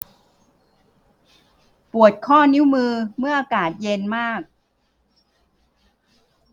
ปวดข้อนิ้วมือเมื่ออากาศเย็นมาก